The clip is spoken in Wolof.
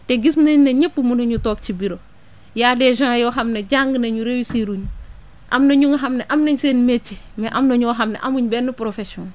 te gis nañ ni ñëpp mënuñu toog ci buraeu y' a des gens yoo xam ne jàng nañu réussir am na ñu nga xam ne am nañ seen métier mais am na ñoo xam ne amuñ benn profession